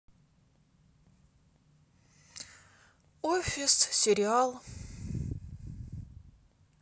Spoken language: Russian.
офис сериал